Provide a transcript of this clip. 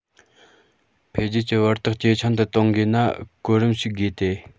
འཕེལ རྒྱས ཀྱི བར ཐག ཇེ ཆུང དུ གཏོང དགོས ན གོ རིམ ཞིག དགོས ཏེ